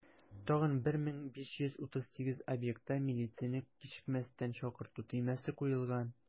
Тагын 1538 объектта милицияне кичекмәстән чакырту төймәсе куелган.